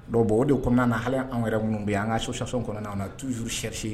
Dɔw bon o de kɔnɔna na hali anw yɛrɛ minnu bɛ an ka so sati kɔnɔna an na tuursɛrise